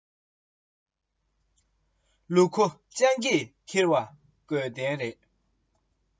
ལུག རྫི ཇ ཆང གཉིས ལ མགོ འཁོར ན